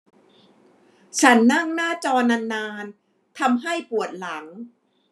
ฉันนั่งหน้าจอนานนานทำให้ปวดหลัง